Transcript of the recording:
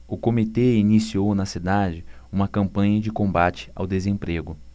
o comitê iniciou na cidade uma campanha de combate ao desemprego